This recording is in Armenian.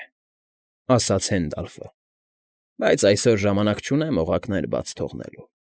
Է, ֊ ասաց Հենդալֆը։ ֊ Բայց այսօր ժամանակ չունեմ օղակներ բաց թողնելու։